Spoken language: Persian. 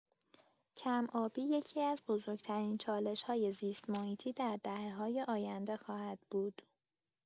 کم‌آبی یکی‌از بزرگ‌ترین چالش‌های زیست‌محیطی در دهه‌های آینده خواهد بود.